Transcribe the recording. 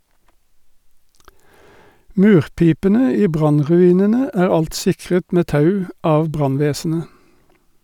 Murpipene i brannruinene er alt sikret med tau av brannvesenet.